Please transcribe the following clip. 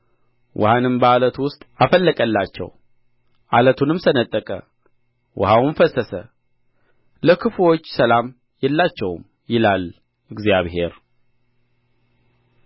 ውኃንም ከዓለቱ ውስጥ አፈለቀላቸው ዓለቱንም ሰነጠቀ ውኃውም ፈሰሰ ለክፉዎች ሰላም የላቸውም ይላል እግዚአብሔር